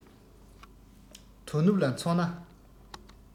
དོ ནུབ ལ མཚོན ན